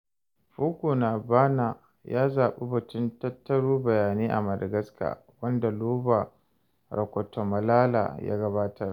Foko na bana ya zaɓi batun '' Tattaro bayanai a Madagascar', wanda Lova Rakotomalala ya gabatar.